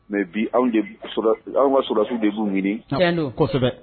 Mɛ bi anw ka sɔrɔlasiw de b'u ɲinio kosɛbɛ